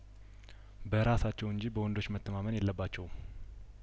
በራሳቸው እንጂ በወንዶች መተማመን የለባቸውም